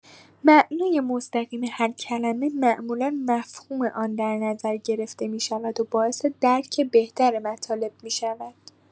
معنای مستقیم هر کلمه معمولا مفهوم آن در نظر گرفته می‌شود و باعث درک بهتر مطالب می‌شود.